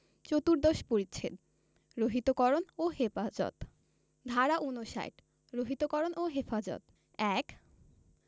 চতুর্দশ পরিচ্ছেদ রহিতকরণ ও হেফাজত ধারা ৫৯ রহিতকরণ ও হেফাজত ১